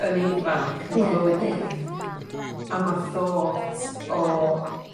yn ifanc... Ie ie. ...yn dy fywyd di, a ma'r thought o